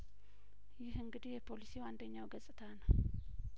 ይህ እንግዲህ የፖሊሲው አንደኛው ገጽታ ነው